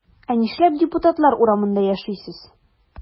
Ә нишләп депутатлар урамында яшисез?